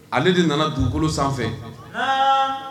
Ale de nana dugukolo sanfɛ, Naamu.